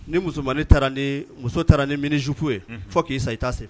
Ni musoi taara ni muso taara ni minisufu ye fo k'i sa i t' se